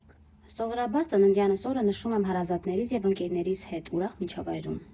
Սովորաբար ծննդյանս օրը նշում եմ հարազատներիս և ընկերներիս հետ՝ ուրախ միջավայրում։